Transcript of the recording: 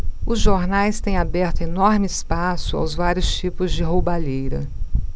os jornais têm aberto enorme espaço aos vários tipos de roubalheira